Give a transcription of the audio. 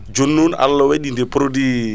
jonnon Allah waɗi nde produit